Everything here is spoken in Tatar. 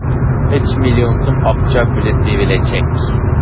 3 млн сум акча бүлеп биреләчәк.